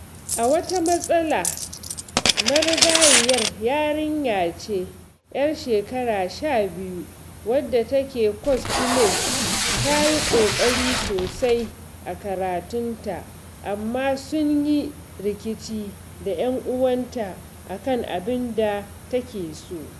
A wata matsalar, marigayiyar yarinya ce 'yar shekaru 15 wadda take cosplay. Ta yi ƙoƙari sosai a karatunta amma sun yi rikici da 'yan'uwanta a kan abin da take so.